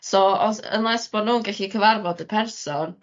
so os unless bo' nw'n gellu cyfarfod y person